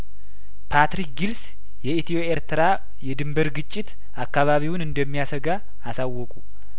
ፓትሪክ ጊል ስየኢትዮ ኤርትራ የድንበር ግጭት አካባቢውን እንደሚያሰጋ አሳወቁ